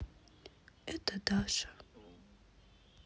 это даша